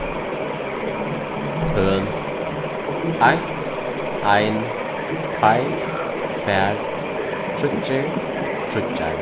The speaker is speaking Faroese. tøl eitt ein tveir tvær tríggir tríggjar